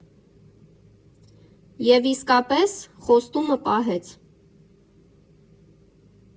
Եվ իսկապես, խոստումը պահեց.